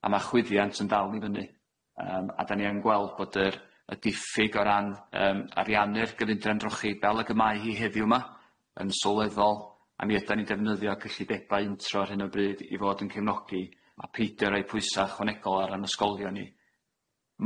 A ma' chwyddiant yn dal i fyny, yym a 'dan ni yn gweld bod yr y diffyg o ran yym ariannu'r gyfundrefn drochi fel ag y mae hi heddiw 'ma yn sylweddol a mi ydan ni'n defnyddio cyllideba untro ar hyn o bryd i fod yn cefnogi a peidio roi pwysa' ychwanegol ar yn ysgolion ni.